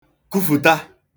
kufụ̀ta